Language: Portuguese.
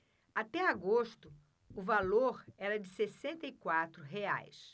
até agosto o valor era de sessenta e quatro reais